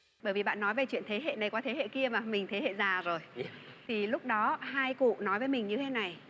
bởi vì bạn nói về chuyện thế hệ này qua thế hệ kia mà mình thế hệ già rồi thì lúc đó hai cụ nói với mình như thế này